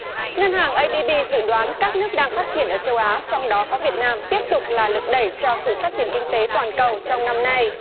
ngân hàng ây đi bi dự đoán các nước đang phát triển ở châu á trong đó có việt nam tiếp tục là lực đẩy cho sự phát triển kinh tế toàn cầu trong năm nay